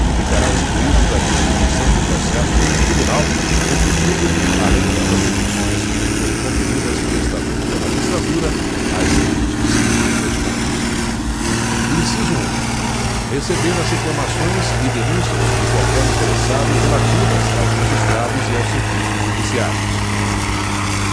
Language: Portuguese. e ficará excluído da distribuição de processos no tribunal competindo lhe além das atribuições que lhe forem conferidas pelo estatuto da magistratura as seguintes dois pontos inciso um receber as reclamações e denúncias de qualquer interessado relativas aos magistrados e aos serviços judiciários